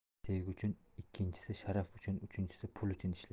biri sevgi uchun ikkinchisi sharaf uchun uchinchisi pul uchun ishlaydi